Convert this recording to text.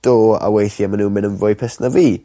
Do a weithie ma' nw'n myn' yn fwy pissed na fi.